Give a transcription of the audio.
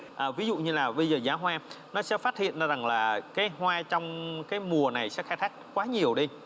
à ví dụ như là bây giờ giá hoa nó sẽ phát hiện ra rằng là cái hoa trong cái mùa này sẽ khai thác quá nhiều đi